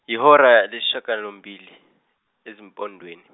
yihora lesishagalombili ezimpondweni.